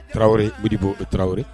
Tarawelere waribo o taraweleri